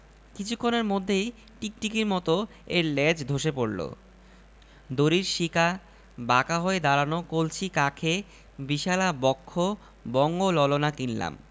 কপ কপ করে সবার আইসক্রিমে কামড় দিচ্ছে যেন আইসক্রিম খাওয়ার কোন একটা কম্পিটিশন এর মধ্যেই লক্ষ্য করলাম অচেনা একটা ছেলে তার বাবাকে বলছে বাবা আমিও ঐ লোকটাকে আইসক্রিম খাওযাব